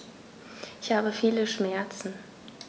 Ich habe viele Schmerzen.